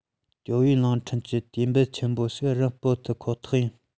ཏེའོ ཡུས གླིང ཕྲན གྱི དུས བབ ཆེན པོ ཞིག རིམ སྤོར ཐུབ ཁོ ཐག རེད